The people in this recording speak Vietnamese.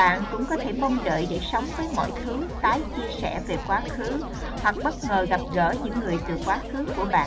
bạn cũng có thể mong đợi để sống với mọi thứ tái chia sẻ về quá khứ hoặc bất ngờ gặp gỡ những người từ quá khứ của bạn